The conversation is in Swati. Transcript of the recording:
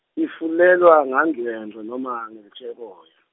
Ifulelwa ngangcwengcwe noma, ngelitjeboya.